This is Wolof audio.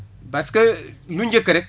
parce que lu njëkk rek